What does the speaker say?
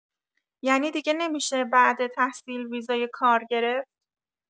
ینی دیگه نمی‌شه بعد تحصیل ویزای کار گرفت؟